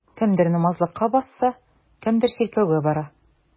Кемдер намазлыкка басса, кемдер чиркәүгә бара.